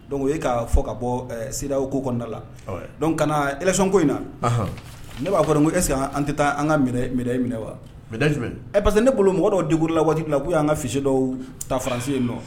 Donc o ye ka fɔ ka bɔ ɛɛ CEDEAO ko kɔnɔna la, ouais donc ka na élection ko in na, anhan, ne b'a fɔ ko est-ce que an tɛ taa an ka médaille minɛn wa? médaille jumɛn? Ɛ parce que ne bolo mɔgɔ dɔw décorer la waati in na k'u y'an ka fichier dɔw ta France ye nɔ?